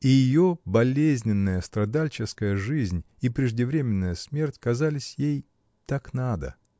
И ее болезненная, страдальческая жизнь, и преждевременная смерть казались ей — так надо.